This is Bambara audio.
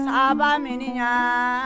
sabaminiyan